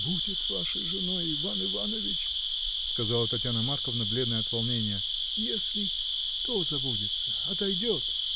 — Будет вашей женой, Иван Иванович, — сказала Татьяна Марковна, бледная от волнения, — если. то забудется, отойдет.